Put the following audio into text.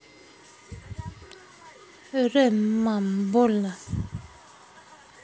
рем мама больно